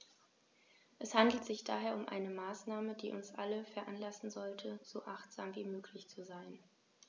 Es handelt sich daher um eine Maßnahme, die uns alle veranlassen sollte, so achtsam wie möglich zu sein.